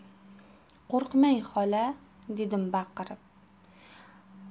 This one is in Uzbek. qo'rqmang xola dedim baqirib